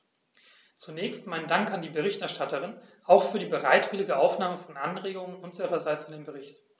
Zunächst meinen Dank an die Berichterstatterin, auch für die bereitwillige Aufnahme von Anregungen unsererseits in den Bericht.